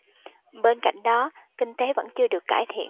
bên cạnh đó kinh tế vẫn chưa được cải thiện